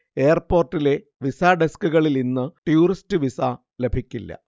എയർപോര്‍ട്ടിലെ visa ഡെസ്കുകളിലിന്ന് tourist visa ലഭിക്കില്ല